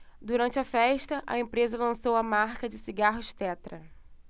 durante a festa a empresa lançou a marca de cigarros tetra